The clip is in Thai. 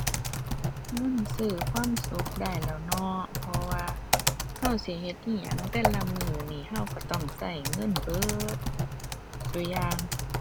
เงินซื้อความสุขได้แหล้วเนาะ เพราะว่าเราสิเฮ็ดอิหยังแต่ละมื้อนี้ เราเราต้องเราเงินเบิดซุอย่าง